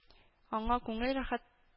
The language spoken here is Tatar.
Аңа күңел рәхәт